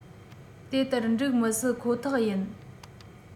དེ ལྟར འགྲིག མི སྲིད ཁོ ཐག ཡིན